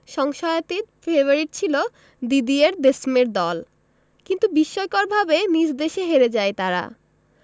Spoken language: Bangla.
সংশয়াতীত ফেভারিট ছিল দিদিয়ের দেশমের দল কিন্তু বিস্ময়করভাবে নিজ দেশে হেরে যায় তারা